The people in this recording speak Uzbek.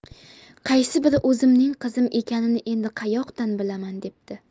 qaysi biri o'zimning qizim ekanini endi qayoqdan bilaman debdi